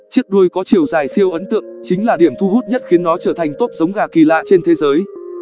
chiếc đuôi có chiều dài siêu ấn tượng chính là điểm thu hút nhất khiến nó trở thành top giống gà kỳ lạ trên thế giới